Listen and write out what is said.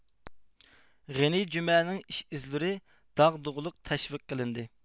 غېنى جۈمەنىڭ ئىش ئىزلىرى داغدۇغىلىق تەشۋىق قىلىندى